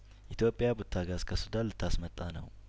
ኢትዮጵያ ቡታጋዝ ከሱዳን ልታስመጣ ነው